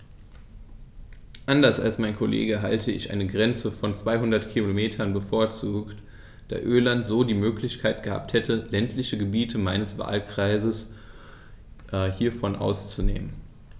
Anders als mein Kollege hätte ich eine Grenze von 200 km bevorzugt, da Irland so die Möglichkeit gehabt hätte, ländliche Gebiete meines Wahlkreises hiervon auszunehmen.